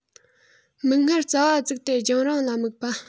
མིག སྔར རྩ བ བཙུགས ཏེ རྒྱང རིང ལ དམིགས པ